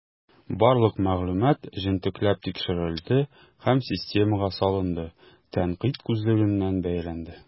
Барлык мәгълүмат җентекләп тикшерелде һәм системага салынды, тәнкыйть күзлегеннән бәяләнде.